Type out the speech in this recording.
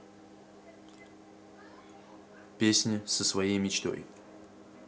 песни со своей мечтой